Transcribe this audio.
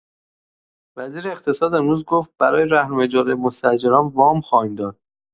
وزیر اقتصاد امروز گفت: برای رهن و اجاره مستاجران وام خواهیم داد.